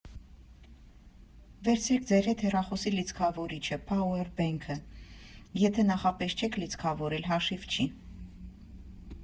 Վերցրեք ձեր հետ հեռախոսի լիցքավորիչը, փաուեր բենքը (եթե նախապես չեք լիցքավորել՝ հաշիվ չի)։